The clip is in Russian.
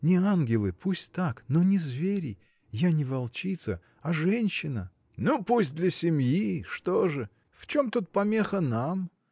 Не ангелы, пусть так — но и не звери! Я не волчица, а женщина! — Ну пусть для семьи: что же? В чем тут помеха нам?